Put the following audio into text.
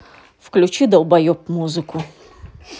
включи долбоеб музыку